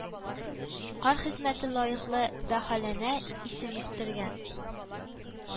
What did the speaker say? Карь хезмәте лаеклы бәһаләнә, исемүстергән